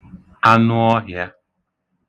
anụọhịā